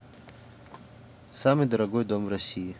самый дорогой дом в россии